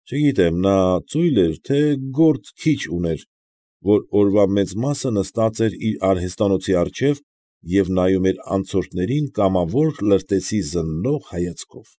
Չգիտեմ նա ծո՞ւյլ էր, թե՞ գործ քիչ ուներ, օրվա մեծ մասը նստած էր իր արհեստանոցի առջև և նայում էր անցորդներին կամավոր լրտեսի զննող հայացքով։